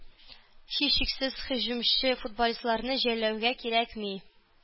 Һичшиксез һөҗүмче футболистларны жәллэүгә кирәкми.